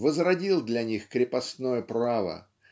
возродил для них крепостное право